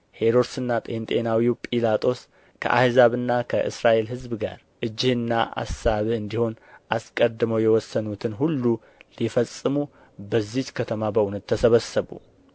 ሄሮድስና ጴንጤናዊው ጲላጦስ ከአሕዛብና ከእስራኤል ሕዝብ ጋር እጅህና አሳብህ እንዲሆን አስቀድመው የወሰኑትን ሁሉ ሊፈጽሙ በዚች ከተማ በእውነት ተሰበሰቡ